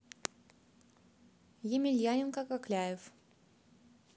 емельяненко кокляев